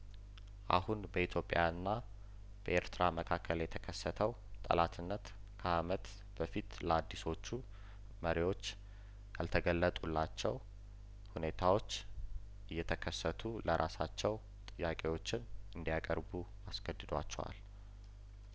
አሁን በኢትዮጵያ ና በኤርትራ መካከል የተከሰተው ጠላትነት ከአመት በፊት ለአዲሶቹ መሪዎች ያልተገለጡላቸው ሁኔታዎች እየተከሰቱ ለራሳቸው ጥያቄዎችን እንዲ ያቀርቡ አስገድዷቸዋል